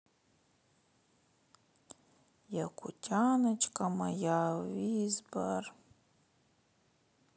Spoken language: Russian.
якутяночка моя визбор